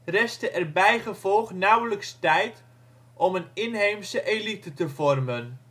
restte er bijgevolg nauwelijks tijd om een inheemse elite te vormen